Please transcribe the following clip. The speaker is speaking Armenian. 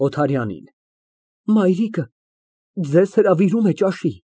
Օթարյանին) Մայրիկը ձեզ հրավիրում է ճաշի։